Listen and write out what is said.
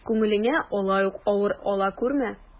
Күңелеңә алай ук авыр ала күрмә.